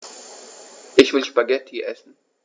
Ich will Spaghetti essen.